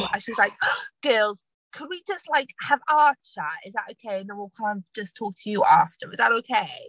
And she was like, "girls could we just like, have our chat? Is that okay? Then we'll come and just talk to you after? Is that okay?"